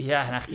Ie, 'na chdi.